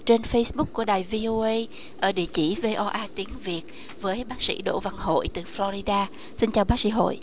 trên phây búc của đài vi ô ây ở địa chỉ vê o a tiếng việt với bác sĩ đỗ văn hội từ phờ lo ri đa xin chào bác sĩ hội